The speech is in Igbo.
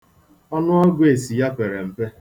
Ọnụọgụ esi ya pere mpe.